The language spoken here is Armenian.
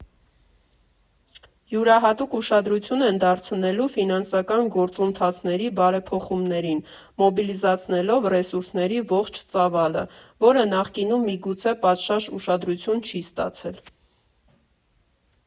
Յուրահատուկ ուշադրություն են դարձնելու ֆինանսական գործընթացների բարեփոխումներին՝ մոբիլիզացնելով ռեսուրսների ողջ ծավալը, որը նախկինում միգուցե պատշաճ ուշադրություն չի ստացել։